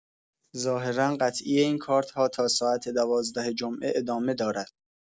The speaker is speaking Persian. ظاهرا قطعی این کارت‌ها تا ساعت ۱۲ جمعه ادامه دارد.